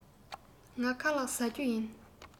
ང ཁ ལགས བཟའ རྒྱུ ཡིན